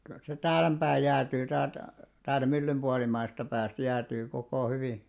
kyllä se täällempää jäätyy täältä täältä myllyn puolimmaisesta päästä jäätyy koko hyvin